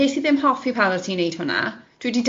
wnes i ddim hoffi pan o't ti'n wneud hwnna, dwi 'di